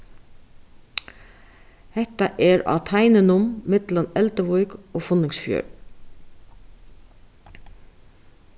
hetta er á teininum millum elduvík og funningsfjørð